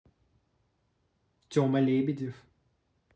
тема лебедев